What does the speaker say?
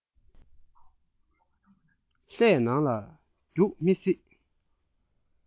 ལྷས ནང ལ རྒྱུགས མི སྲིད